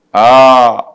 A